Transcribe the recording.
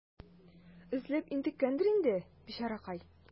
Эзләп интеккәндер инде, бичаракай.